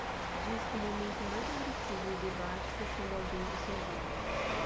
diz que o momento mais agressivo do debate foi quando alguém bocejou